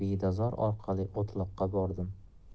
bedazor orqali o'tloqqa bordim